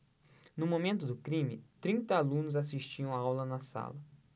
no momento do crime trinta alunos assistiam aula na sala